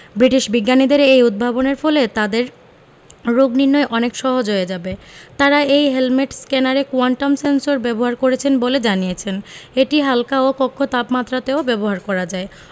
British বিজ্ঞানীদের এই উদ্ভাবনের ফলে তাদের রোগনির্নয় অনেক সহজ হয়ে যাবে তারা এই হেলমেট স্ক্যানারে কোয়ান্টাম সেন্সর ব্যবহার করেছেন বলে জানিয়েছেন এটি হাল্কা এবং কক্ষ তাপমাত্রাতেও ব্যবহার করা যায়